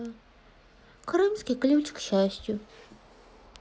крымский ключ к счастью